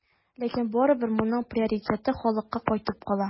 Ләкин барыбер моның приоритеты халыкка кайтып кала.